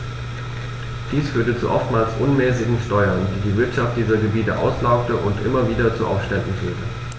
Dies führte zu oftmals unmäßigen Steuern, die die Wirtschaft dieser Gebiete auslaugte und immer wieder zu Aufständen führte.